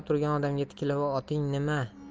turgan odamga tikilib oting nimai